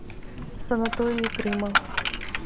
санатории крыма